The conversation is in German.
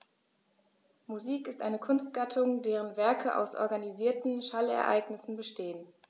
Musik ist eine Kunstgattung, deren Werke aus organisierten Schallereignissen bestehen.